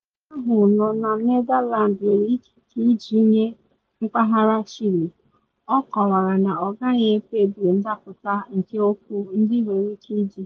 Ewumewu ahụ nọ na Netherland nwere ikike iji nye mpaghara Chile, ọ kọwara na ọ gaghị ekpebi ndapụta nke okwu ndị nwere ike ịdị.